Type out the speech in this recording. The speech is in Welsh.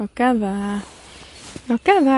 Hogan dda. Ti'n hogan dda...